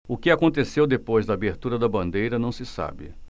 o que aconteceu depois da abertura da bandeira não se sabe